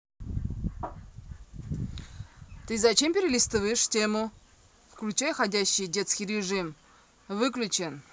ты зачем перелистываешь тему включай ходячие детский режим выключен